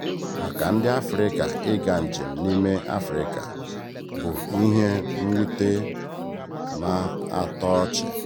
Maka ndị Afrịka ịga njem n'ime Afrịka: bụ ihe mwute na-atọ ọchị.